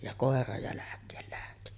ja koira jälkeen lähti